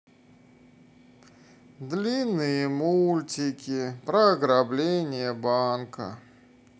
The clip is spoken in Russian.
длинные мультики про ограбление банка